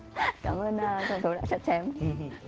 cám ơn công tố đã chặt chém